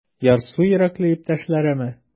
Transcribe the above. Ярсу йөрәкле иптәшләреме?